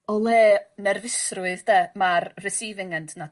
O le nerfusrwydd 'de ma'r receiving end 'na